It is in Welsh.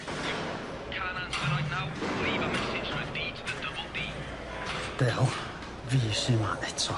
Can' answer right now leave a message for the Dee to the double Bee. Del, fi sy 'ma eto.